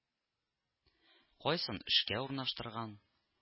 Кайсын эшкә урнаштырган